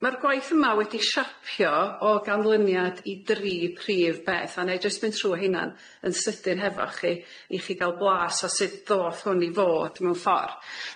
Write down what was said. ma'r gwaith yma wedi' siapio o ganlyniad i dri prif beth a nâi jyst mynd trw' rheina'n yn sydyn hefo chi i chi ga'l blas o sut ddoth hwn i fod mewn ffor'.